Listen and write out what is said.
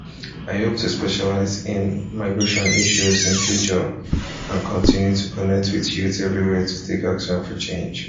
I hope to specialize in migration issues in future and continue to connect with youth everywhere to take action for change.